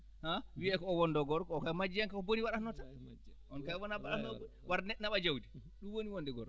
han wiyeE ko O woni ɗoO gorko o kay ko majji yanke ko boni waɗatnoo tan on kay wona mbaɗatnooɗo war neɗɗo naɓaa jawdi ɗum woni wonde gorko